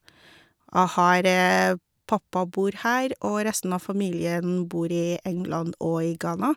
jeg har Pappa bor her, og reisten av familien bor i England og i Ghana.